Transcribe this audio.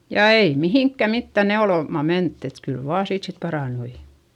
ja ei mihinkään mitään neulomaan menty että kyllä vain siitä sitten parantui